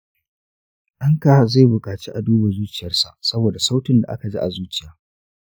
danka zai buƙaci a duba zuciyarsa saboda sautin da aka ji a zuciya.